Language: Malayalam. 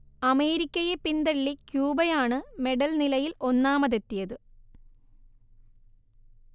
അമേരിക്കയെ പിന്തള്ളി ക്യൂബയാണ് മെഡൽനിലയിൽ ഒന്നാമതെത്തിയത്